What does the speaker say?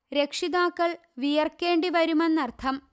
രക്ഷിതാക്കൾ വിയർക്കേണ്ടിവരുമെന്നർഥം